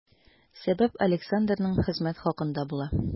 Сәбәп Александрның хезмәт хакында була.